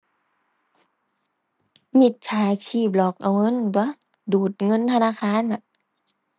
มิจฉาชีพหลอกเอาเงินนั่นตั่ว ดูดเงินธนาคารน่ะ